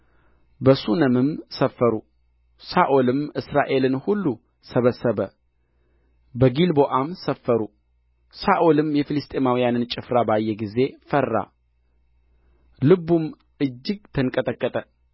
በሱነምም ሰፈሩ ሳኦልም እስራኤልን ሁሉ ሰበሰበ በጊልቦዓም ሰፈሩ ሳኦልም የፍልስጥኤማውያንን ጭፍራ ባየ ጊዜ ፈራ ልቡም እጅግ ተንቀጠቀጠ